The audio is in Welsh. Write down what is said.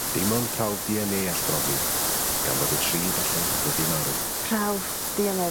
Dim ond prawf Dee En Ay all brofi gan fod y tri bellach wedi marw. Prawf dee En Ay...